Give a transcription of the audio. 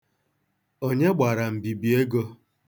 Onye gbara mbibi ego?